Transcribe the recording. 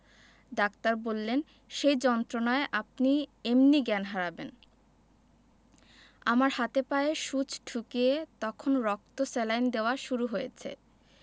doctor বললেন সেই যন্ত্রণায় আপনি এমনি জ্ঞান হারাবেন আমার হাতে পায়ে সুচ ঢুকিয়ে তখন রক্ত স্যালাইন দেওয়া শুরু হয়েছে